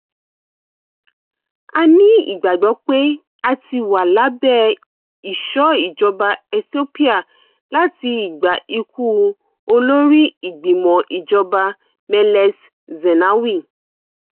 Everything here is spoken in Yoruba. A ní ìgbàgbọ́ pé a ti wà lábẹ ìṣọ́ ìjọba Ethiopia láti ìgbà ikú Olórí Ìgbìmọ̀-ìjọba Meles Zenawi.